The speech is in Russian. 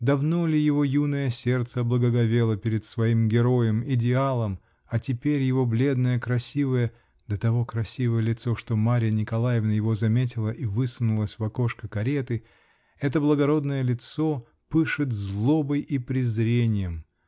Давно ли его юное сердце благоговело перед своим героем, идеалом, а теперь его бледное красивое -- до того красивое лицо, что Марья Николаевна его заметила и высунулась в окошко кареты -- это благородное лицо пышет злобой и презрением